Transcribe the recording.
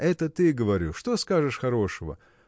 это ты, говорю: что скажешь хорошего?